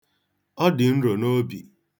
Ọ dị nro n'obi.